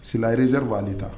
Senrezeriban de ta